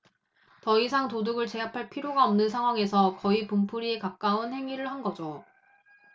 더 이상 도둑을 제압할 필요가 없는 상황에서 거의 분풀이에 가까운 행위를 한 거죠